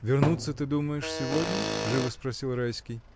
— Вернутся, ты думаешь, сегодня? — живо спросил Райский.